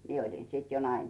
minä olin sitten jo naimisissa